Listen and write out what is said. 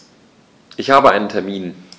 Ich habe einen Termin.